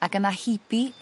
Ag yna hebe